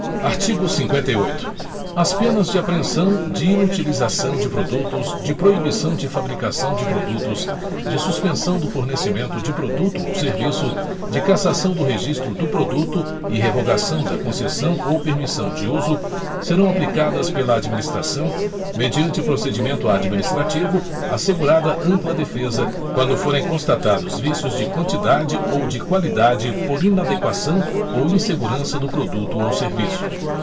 artigo cinquenta e oito as penas de apreensão de inutilização de produtos de proibição de fabricação de produtos de suspensão do fornecimento de produto ou serviço de cassação do registro do produto e revogação da concessão ou permissão de uso serão aplicadas pela administração mediante procedimento administrativo assegurada ampla defesa quando forem constatados vícios de quantidade ou de qualidade por inadequação ou insegurança do produto ou serviço